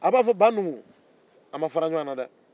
a b'a fɔ banumu an ma fara ɲɔgɔ na dɛ